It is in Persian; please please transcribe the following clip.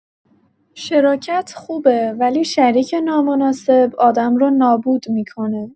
شراکت خوبه، ولی شریک نامناسب آدم رو نابود می‌کنه.